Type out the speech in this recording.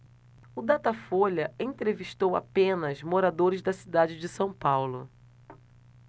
o datafolha entrevistou apenas moradores da cidade de são paulo